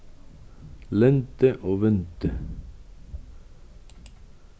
lyndi og vindi